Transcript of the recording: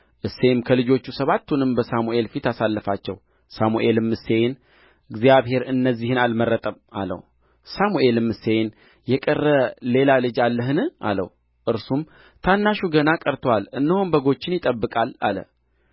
እሴይም ከልጆቹ ሰባቱን በሳሙኤል ፊት አሳለፋቸው ሳሙኤልም እሴይን እግዚአብሔር እነዚህን አልመረጠም አለው ሳሙኤልም እሴይን የቀረ ሌላ ልጅ አለህን አለው እርሱም ታናሹ ገና ቀርቶአል እነሆም በጎችን ይጠብቃል አለ